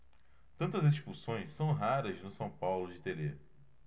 tantas expulsões são raras no são paulo de telê